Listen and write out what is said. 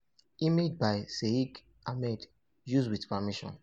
Image by Shakil Ahmed, used with permission.